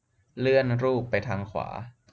เลื่อนรูปไปทางขวา